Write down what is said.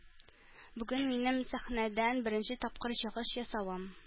Бүген минем сәхнәдән беренче тапкыр чыгыш ясавым.